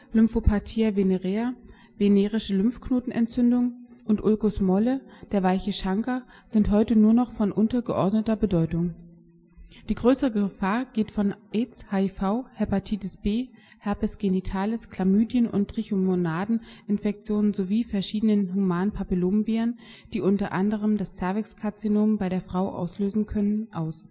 Lymphopathia venerea („ venerische Lymphknotenentzündung “) und Ulcus molle (der „ weiche Schanker “) sind heute nur noch von untergordneter Bedeutung. Die größte Gefahr geht von AIDS/HIV, Hepatitis B, Herpes genitalis, Chlamydien - und Trichomonaden-Infektionen sowie verschiedenen humanen Papilloma-Viren, die u.a. das Zervixkarzinom bei der Frau auslösen können, aus